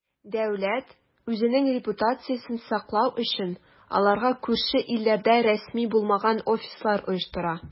Дәүләт, үзенең репутациясен саклау өчен, аларга күрше илләрдә рәсми булмаган "офислар" оештыра.